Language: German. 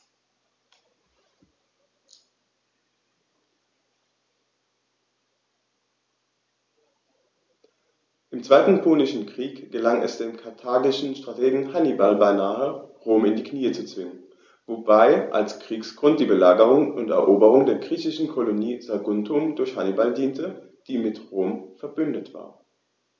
Im Zweiten Punischen Krieg gelang es dem karthagischen Strategen Hannibal beinahe, Rom in die Knie zu zwingen, wobei als Kriegsgrund die Belagerung und Eroberung der griechischen Kolonie Saguntum durch Hannibal diente, die mit Rom „verbündet“ war.